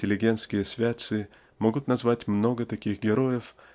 интеллигентские святцы могут назвать много таких героев